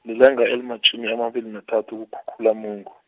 lilanga elimatjhumi amabili nathathu kuKhukhulamungu.